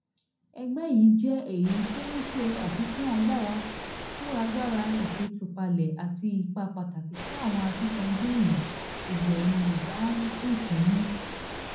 Ẹgbẹ́ yìí jẹ́ èyí tí ó ń ṣe àfikún agbára fún agbára ìṣètúpalẹ̀ àti ipa pàtàkì tí àwọn akíkanjú èèyàn ilẹ̀ Mozambique ní.